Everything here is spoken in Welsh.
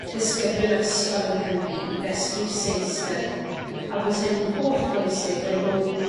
disgyblion ysgol yng Nghymru i ddysgu'r Saesneg a bod hynny'n hollbwysig er mwyn